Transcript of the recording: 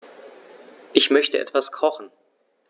Ich möchte etwas kochen.